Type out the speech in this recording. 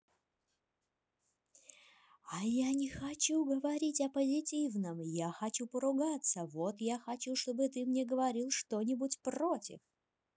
а я не хочу говорить о позитивном я хочу поругаться вот я хочу чтобы ты мне говорил что нибудь против